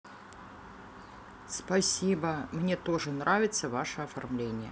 спасибо мне тоже нравится ваше оформление